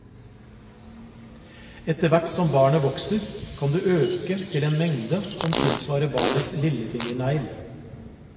Etter hvert som barnet vokser, kan du øke til en mengde som tilsvarer barnets lillefingernegl.